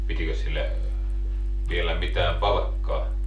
pitikös sille viedä mitään palkkaa